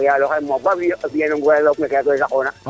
i o yaalo xe moof ba fiya nong ka xupna ke saqona